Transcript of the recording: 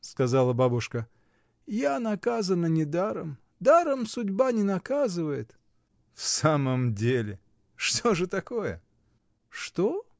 — сказала бабушка, — я наказана не даром. Даром судьба не наказывает. — В самом деле! что же такое? — Что?